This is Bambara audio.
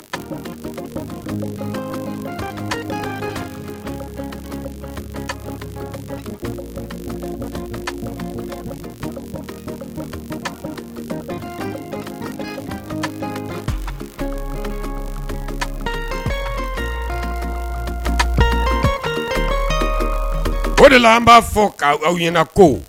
San ko de an b'a fɔ k' aw ɲɛna ko